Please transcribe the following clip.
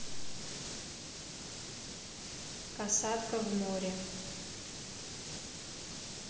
касатка в море